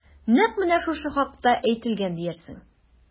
Нәкъ менә шушы хакта әйтелгән диярсең...